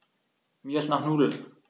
Mir ist nach Nudeln.